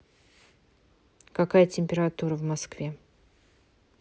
какая температура в москве